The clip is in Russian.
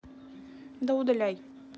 да удаляй